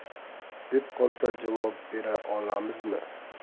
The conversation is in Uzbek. deb qolsa javob bera olamizmi